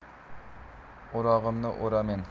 o'rog'imni o'ramen